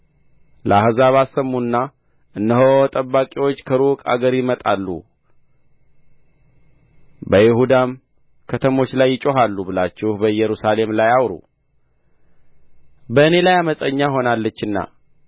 ለአሕዛብ አሰሙና እነሆ ጠባቂዎች ከሩቅ አገር ይመጣሉ በይሁዳም ከተሞች ላይ ይጮኻሉ ብላችሁ በኢየሩሳሌም ላይ አውሩ በእኔ ላይ ዓመፀኛ ሆናለችና